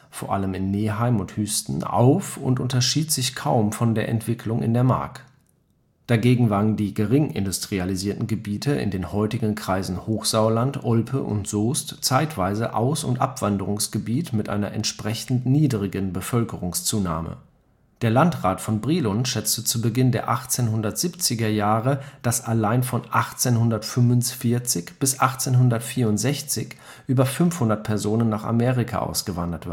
vor allem in Neheim und Hüsten) auf und unterschied sich kaum von der Entwicklung in der Mark. Siedlungsdichte im Jahr 2004 Kreis Einw. pro km² Hochsauerlandkreis 141,8 Märkischer Kreis 426,3 Kreis Olpe 200,0 Kreis Soest 232,8 Nordrhein-Westfalen 530,3 Dagegen waren die gering industrialisierten Gebiete in den heutigen Kreisen Hochsauerland, Olpe und Soest zeitweise Aus - und Abwanderungsgebiete mit einer entsprechend niedrigen Bevölkerungszunahme. Der Landrat von Brilon schätzte zu Beginn der 1870er Jahre, dass allein von 1845 bis 1864 über 500 Personen nach Amerika ausgewandert